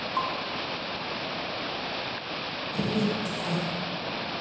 привет тварь